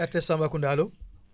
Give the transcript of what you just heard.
RTS Tambacounda alloo